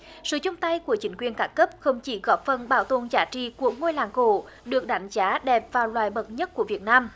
sự chung tay của chính quyền các cấp không chỉ góp phần bảo tồn giá trị của ngôi làng cổ được đánh giá đẹp vào loại bậc nhất của việt nam